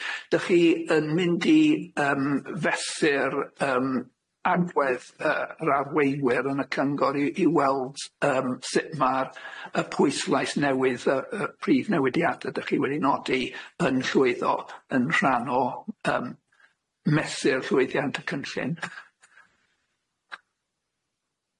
Dach chi yn mynd i yym fesur yym agwedd yy yr arweinwyr yn y cyngor i i weld yym sut ma'r y pwyslais newydd y y prif newidiade 'dych chi wedi nodi yn llwyddo yn rhan o, yym mesur llwyddiant y cynllun?